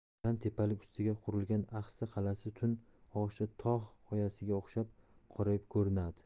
baland tepalik ustiga qurilgan axsi qalasi tun og'ushida tog' qoyasiga o'xshab qorayib ko'rinadi